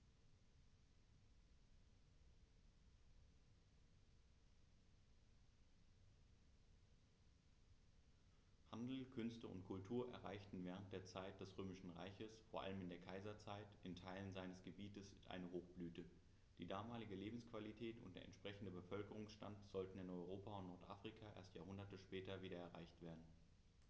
Handel, Künste und Kultur erreichten während der Zeit des Römischen Reiches, vor allem in der Kaiserzeit, in Teilen seines Gebietes eine Hochblüte, die damalige Lebensqualität und der entsprechende Bevölkerungsstand sollten in Europa und Nordafrika erst Jahrhunderte später wieder erreicht werden.